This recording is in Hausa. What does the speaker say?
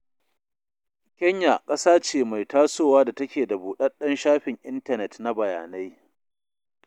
Kenya ƙasa ce mai tasowa da take da buɗaɗɗen shafin intanet na bayanai.